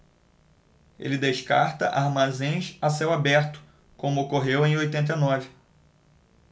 ele descarta armazéns a céu aberto como ocorreu em oitenta e nove